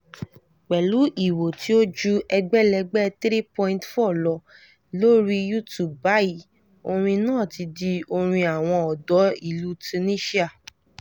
Pẹ̀lú ìwò tí ó ju ẹgbẹ̀lẹ́gbẹ̀ 3.4 lọ lórí YouTube báyìí, orin náà ti di orin àwọn Ọ̀dọ́ ilu Tunisia.